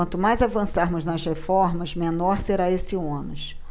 quanto mais avançarmos nas reformas menor será esse ônus